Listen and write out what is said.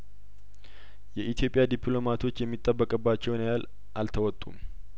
የኢትዮጵያ ዲፕሎማቶች የሚጠበቅባቸውን ያህል አልተ ወጡም